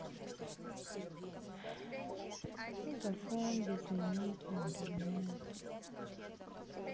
мегафон безлимитный интернет